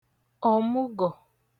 ọ̀mụgọ̀